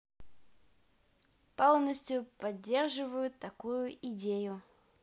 полностью поддерживаю такую идею